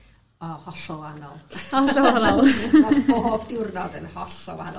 O hollol wahanol. . Hollol wahanol! Ma' pob diwrnod yn hollol wahanol...